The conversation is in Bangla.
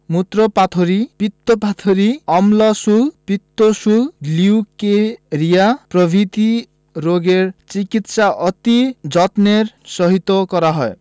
মুত্রপাথড়ী পিত্তপাথড়ী অম্লশূল পিত্তশূল লিউকেরিয়া প্রভৃতি রোগের চিকিৎসা অতি যত্নের সহিত করা হয়